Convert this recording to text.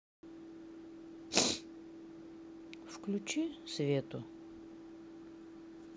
включи свету